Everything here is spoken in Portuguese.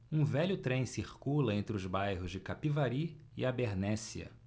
um velho trem circula entre os bairros de capivari e abernéssia